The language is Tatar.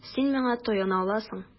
Син миңа таяна аласың.